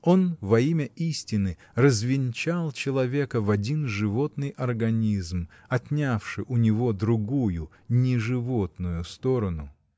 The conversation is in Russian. Он, во имя истины, развенчал человека в один животный организм, отнявши у него другую, не животную сторону.